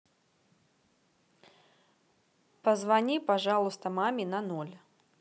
позвони пожалуйста маме на ноль